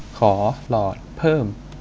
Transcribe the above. ขอหลอดเพิ่ม